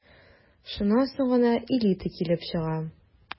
Шуннан соң гына «элита» килеп чыга...